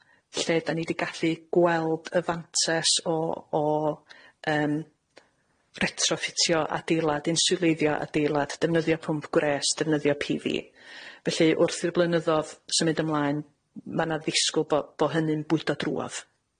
lle 'dan ni 'di gallu gweld y fantes o o yym retrofitio adeilad, inswleiddio adeilad, defnyddio pwmp gwres, defnyddio Pee Vee. Felly wrth i'r blynyddodd symud ymlaen ma' 'na ddisgwl bo' bo' hynny'n bwydo drwodd.